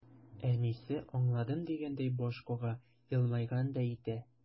Әнисе, аңладым дигәндәй баш кага, елмайгандай итә.